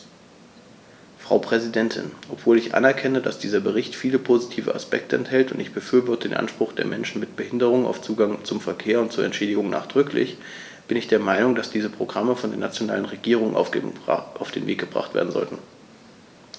Frau Präsidentin, obwohl ich anerkenne, dass dieser Bericht viele positive Aspekte enthält - und ich befürworte den Anspruch der Menschen mit Behinderung auf Zugang zum Verkehr und zu Entschädigung nachdrücklich -, bin ich der Meinung, dass diese Programme von den nationalen Regierungen auf den Weg gebracht werden sollten.